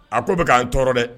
A ko bɛka k'an tɔɔrɔ dɛ